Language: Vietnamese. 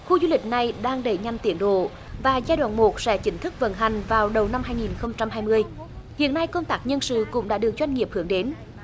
khu du lịch này đang đẩy nhanh tiến độ và giai đoạn một sẽ chính thức vận hành vào đầu năm hai nghìn không trăm hai mươi hiện nay công tác nhân sự cũng đã được doanh nghiệp hướng đến